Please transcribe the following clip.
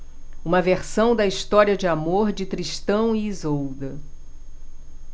uma versão da história de amor de tristão e isolda